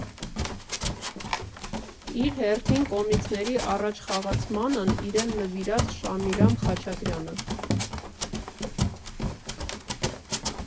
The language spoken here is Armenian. Իր հերթին կոմիքսների առաջխաղացմանն իրեն նվիրած Շամիրամ Խաչատրյանը։